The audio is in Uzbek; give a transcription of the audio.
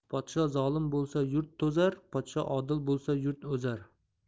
podsho zolim bo'lsa yurt to'zar podsho odil bo'lsa yurt o'zar